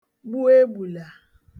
gbuoegbùlà